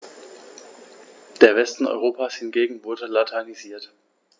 Der Westen Europas hingegen wurde latinisiert.